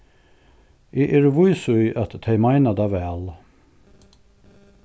eg eri vís í at tey meina tað væl